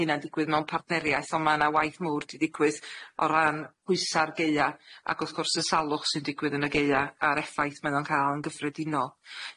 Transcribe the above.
hynna'n digwydd mewn partneriaeth on' ma' 'na waith mowr 'di digwydd o ran pwysa'r gaea ac wrth gwrs y salwch sy'n digwydd yn y gaea a'r effaith mae o'n ca'l yn gyffredinol.